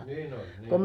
niin oli niin oli